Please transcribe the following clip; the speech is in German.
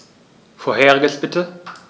Vorheriges bitte.